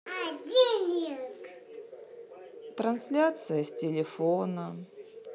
трансляция с телефона